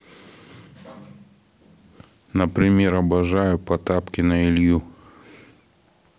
например обижаю потапкина илью